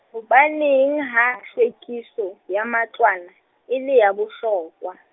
hobaneng ha tlhwekiso, ya matlwana, e le ya bohlokwa?